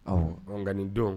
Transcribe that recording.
Awɔ ɔn nka nin don